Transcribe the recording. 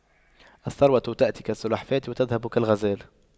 الثروة تأتي كالسلحفاة وتذهب كالغزال